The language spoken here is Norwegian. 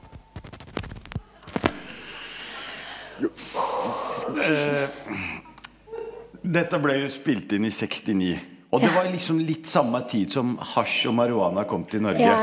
dette ble jo spilt inn i sekstini, og det var liksom litt samme tid som hasj og marijuana kom til Norge.